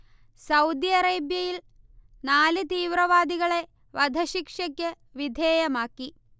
Saudi അറേബൃയിൽ നാല് തീവ്രവാദികളെ വധശിക്ഷയ്ക്ക് വിധേയമാക്കി